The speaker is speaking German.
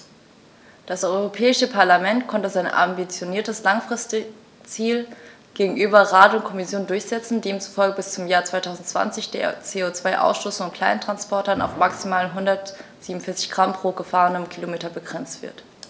Das Europäische Parlament konnte sein ambitioniertes Langfristziel gegenüber Rat und Kommission durchsetzen, demzufolge bis zum Jahr 2020 der CO2-Ausstoß von Kleinsttransportern auf maximal 147 Gramm pro gefahrenem Kilometer begrenzt wird.